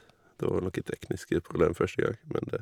Det var noen tekniske problemer første gang, men det...